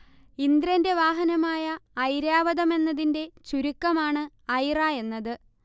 ഇന്ദ്രന്റെ വാഹനമായ ഐരാവതം എന്നതിന്റെ ചുരുക്കമാണ് ഐറ എന്നത്